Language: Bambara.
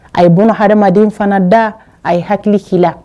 A ye bunahadamaden fana da, a ye hakili k'i la